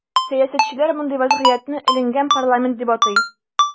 Сәясәтчеләр мондый вазгыятне “эленгән парламент” дип атый.